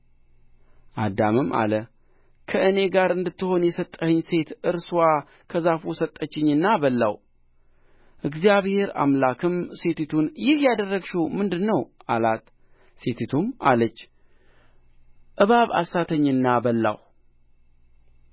አዳምም አለ ከእኔ ጋር እንድትሆን የሰጠኸኝ ሴት እርስዋ ከዛፉ ሰጠችኝና በላሁ እግዚአብሔር አምላክም ሴቲቱን ይህ ያደረግሽው ምንድር ነው አላት ሴቲቱም አለች እባብ አሳተኝና በላሁ